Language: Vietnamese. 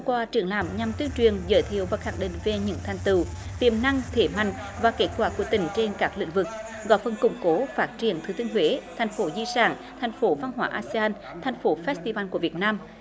qua triển lãm nhằm tuyên truyền giới thiệu và khẳng định về những thành tựu tiềm năng thế mạnh và kết quả của tỉnh trên các lĩnh vực góp phần củng cố phát triển thừa thiên huế thành phố di sản thành phố văn hóa a sê an thành phố phét ti van của việt nam